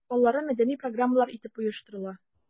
Алары мәдәни программалар итеп оештырыла.